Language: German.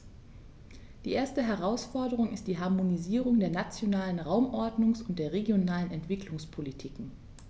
Die erste Herausforderung ist die Harmonisierung der nationalen Raumordnungs- und der regionalen Entwicklungspolitiken.